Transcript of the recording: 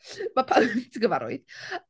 Ma' pawb... ti'n gyfarwydd.